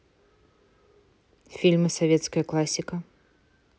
фильмы советская классика